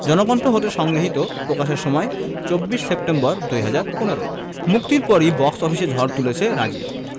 জনকণ্ঠ হতে সংগৃহীত প্রকাশের সময় ২৪ সেপ্টেম্বর ২০১৫ মুক্তির পরই বক্স অফিসে ঝড় তুলেছে রাজি